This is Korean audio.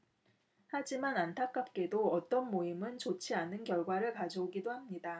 하지만 안타깝게도 어떤 모임은 좋지 않은 결과를 가져오기도 합니다